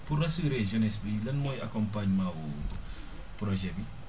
pour rassurer jeunesse bi lay mooy accompagnement wu projet bi